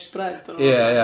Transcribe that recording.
Ia ia.